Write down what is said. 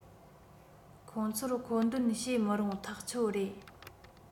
ཁོང ཚོར མཁོ འདོན བྱེད མི རུང ཐག ཆོད རེད